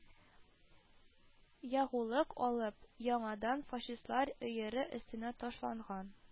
Ягулык алып, яңадан фашистлар өере өстенә ташланган